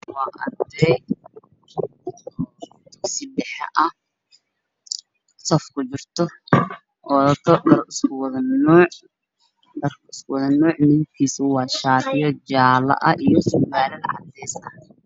Waa arday oo sedax ah safkujiran watan dhar isku wada nuuc waan jale io cades